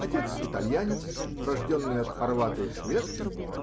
Отец -- итальянец, рожденный от хорвата и шведки